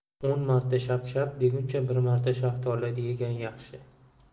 o'n marta shap shap deguncha bir marta shaftoli yegan yaxshi